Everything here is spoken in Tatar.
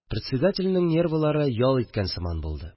Председательнең нервлары ял иткән сыман булды